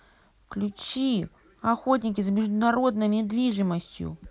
включи охотники за международной недвижимостью